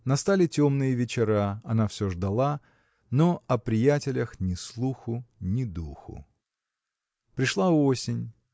Настали темные вечера: она все ждала но о приятелях ни слуху ни духу. Пришла осень.